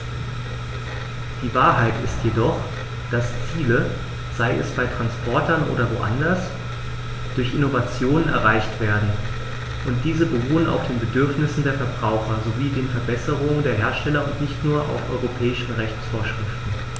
Die Wahrheit ist jedoch, dass Ziele, sei es bei Transportern oder woanders, durch Innovationen erreicht werden, und diese beruhen auf den Bedürfnissen der Verbraucher sowie den Verbesserungen der Hersteller und nicht nur auf europäischen Rechtsvorschriften.